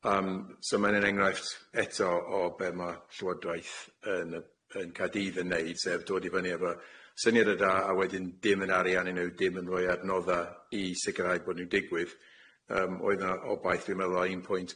Yym so ma'n yn enghraifft eto o be' ma' llywodraeth yn yy yn Caerdydd yn neud sef dod i fyny efo syniada da a wedyn dim yn ariannu nw dim yn rhoi adnodda i sicirhau bo' nw'n digwydd yym oedd yna obaith dwi'n meddwl o un pwynt